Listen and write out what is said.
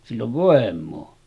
sillä on voimaa